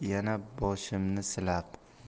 buvi yana boshimni silab